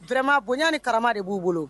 Vraiment bonya ni karama de b'u bolo